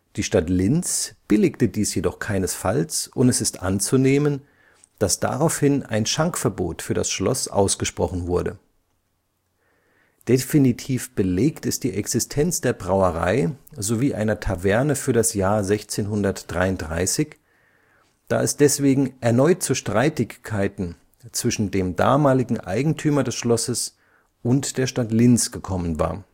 Die Stadt Linz billigte dies jedoch keinesfalls und es ist anzunehmen, dass daraufhin ein Schankverbot für das Schloss ausgesprochen wurde. Definitiv belegt ist die Existenz der Brauerei sowie einer Taverne für das Jahr 1633, da es deswegen erneut zu Streitigkeiten zwischen dem damaligen Eigentümer des Schlosses und der Stadt Linz gekommen war